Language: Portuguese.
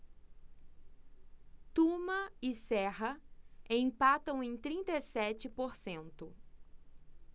tuma e serra empatam em trinta e sete por cento